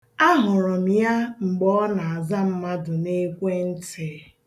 A hụrụ m ya mgbe ọ na-aza mmadụ n'ekwenti.